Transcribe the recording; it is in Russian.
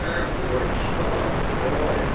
"Это, говорит, что такое?